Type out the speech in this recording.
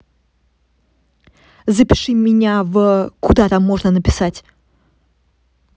запиши меня в куда там можно написать